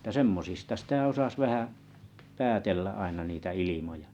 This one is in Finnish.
että semmoisista sitä osasi vähän päätellä aina niitä ilmoja